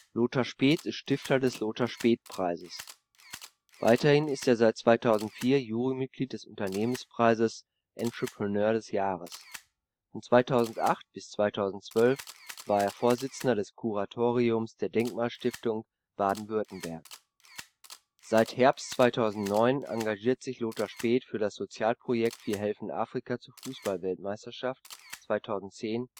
Lothar Späth ist Stifter des Lothar-Späth-Preises. Weiterhin ist er seit 2004 Jury-Mitglied des Unternehmerpreises Entrepreneur des Jahres. Von 2008 bis 2012 war er Vorsitzender des Kuratoriums der Denkmalstiftung Baden-Württemberg. Seit Herbst 2009 engagierte sich Lothar Späth für das Sozialprojekt Wir helfen Afrika zur Fußball-Weltmeisterschaft 2010